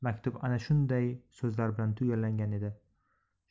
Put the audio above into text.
maktub ana shunday so'zlar bilan tugallangan edi